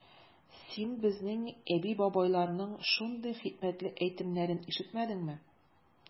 Син безнең әби-бабайларның шундый хикмәтле әйтемнәрен ишетмәдеңме?